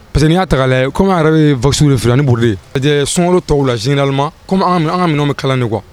Parce que n'i y'a ta k'a layɛ comme an' yɛrɛ bee wax w de feere ani brodé lajɛɛ suŋalo tɔw la généralement comme an ŋa minɛn an ŋa minɛnw be kalan de quoi